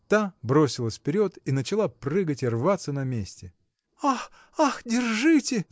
та бросилась вперед и начала прыгать и рваться на месте. – Ах, ах! держите!